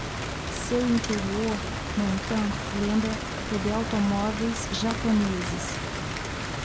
seu interior no entanto lembra o de automóveis japoneses